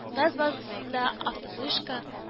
“газ” базасында автовышка